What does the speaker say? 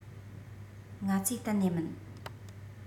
ང ཚོའི གཏན ནས མིན